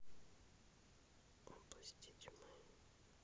области тьмы